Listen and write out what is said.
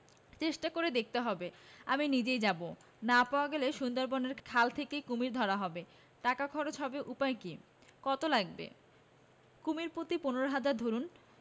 চেষ্টা করে দেখতে হবে আমি নিজেই যাব না পাওয়া গেলে সুন্দরবনের খাল থেকে কুমীর ধরা হবে টাকা খরচ হবে উপায় কি কত লাগবে কুমীর প্রতি পনেরো হাজার ধরুন